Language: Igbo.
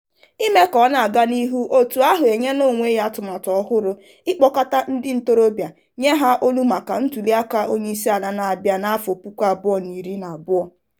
Ime ka ọ na-aga n'ihu, otu ahụ enyela onwe ya atụmatụ ọhụrụ: ịkpọkọta ndị ntorobịa, nye ha olu maka ntuliaka onyeisala na-abịa n'afọ puku abụọ na iri na abụọ.